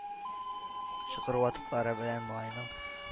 Чокыр ватыклары белән малайның